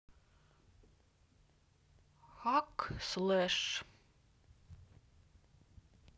хак слэш